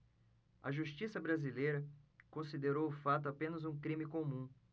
a justiça brasileira considerou o fato apenas um crime comum